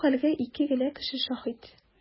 Бу хәлгә ике генә кеше шаһит.